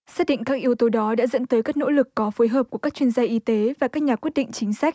xác định các yếu tố đó đã dẫn tới các nỗ lực có phối hợp của các chuyên gia y tế và các nhà quyết định chính sách